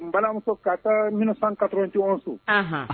N balamuso'a taa minɛn kato cogoso